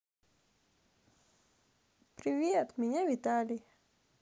привет меня виталий